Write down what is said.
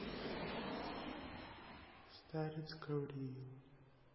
старец гавриил